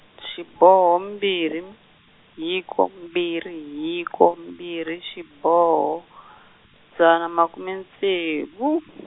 xiboho mbirhi, hiko mbirhi hiko mbirhi xiboho, dzana makume ntsevu.